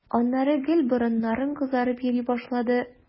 Аннары гел борыннарың кызарып йөри башлады.